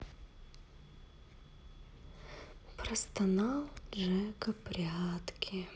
простонал джека прятки